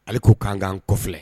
Ale k'u kan ka'an kɔlɛ